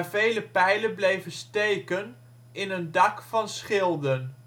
vele pijlen bleven steken in een dak van schilden